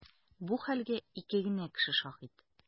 Бу хәлгә ике генә кеше шаһит.